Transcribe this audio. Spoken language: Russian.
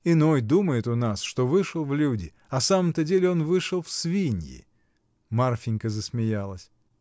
— Иной думает у нас, что вышел в люди, а в самом-то деле он вышел в свиньи. Марфинька засмеялась.